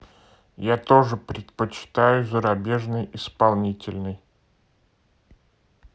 я тоже предпочитаю зарубежный исполнительной